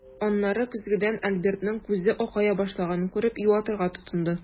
Аннары көзгедән Альбертның күзе акая башлаганын күреп, юатырга тотынды.